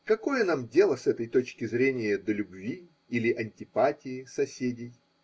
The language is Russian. Какое нам дело с этой точки зрения до любви или антипатии соседей?